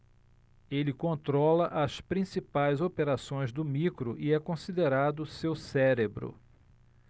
ele controla as principais operações do micro e é considerado seu cérebro